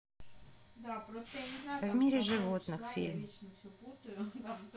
в мире животных фильм